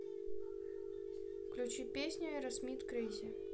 включи песню аэросмит крейзи